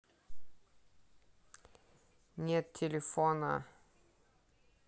нет телефона